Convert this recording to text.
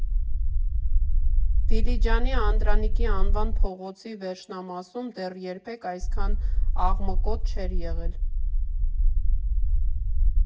Դիլիջանի Անդրանիկի անվան փողոցի վերջնամասում դեռ երբեք այսքան աղմկոտ չէր եղել։